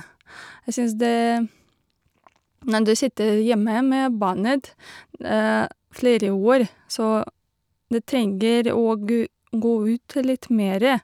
Jeg syns det når du sitter hjemme med barnet flere år, så du trenger å gå ut litt mere.